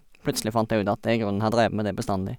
Plutselig fant jeg ut at jeg i grunnen har drevet med det bestandig.